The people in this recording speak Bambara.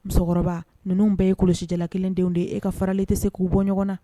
Musokɔrɔba, ninnu bɛɛ ye kulusi jala kelendenw de ye, e ka farali tɛ se k'u bɔ ɲɔgɔn na.